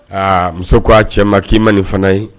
A muso ko'a cɛ ma k'i ma nin fana ye